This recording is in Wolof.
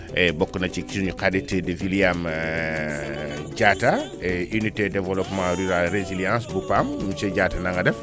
et bokk na ci suñu xarit di William Diatta unité développement rural résilience bu PAM monsieur Diatta na nga def